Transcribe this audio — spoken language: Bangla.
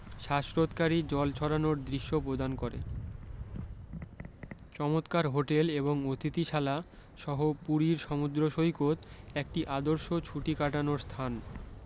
শ্বাসরোধকারী জল ছড়ানোর দৃশ্য প্রদান করে চমতকার হোটেল এবং অতিথিশালা সহ পুরীর সমুদ্র সৈকত একটি আদর্শ ছুটি কাটানোর স্থান